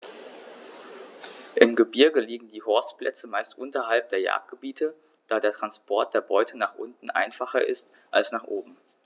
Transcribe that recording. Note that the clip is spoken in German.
Im Gebirge liegen die Horstplätze meist unterhalb der Jagdgebiete, da der Transport der Beute nach unten einfacher ist als nach oben.